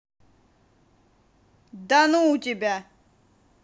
да ну у тебя